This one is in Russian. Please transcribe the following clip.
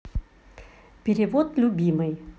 перевод любимой